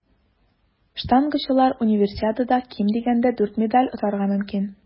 Штангачылар Универсиадада ким дигәндә дүрт медаль отарга мөмкин.